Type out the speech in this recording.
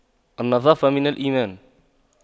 النظافة من الإيمان